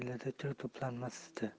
ko'nglida kir to'planmasdi